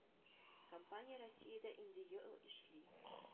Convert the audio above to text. Компания россиядә инде ел эшли